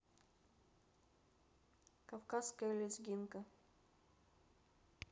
кавказская лезгинка